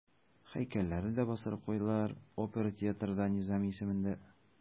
Һәйкәлләрен дә бастырып куйдылар, опера театры да Низами исемендә.